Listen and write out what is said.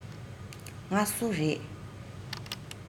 ང སུ རེད